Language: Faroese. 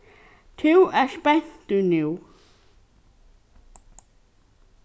tú ert spentur nú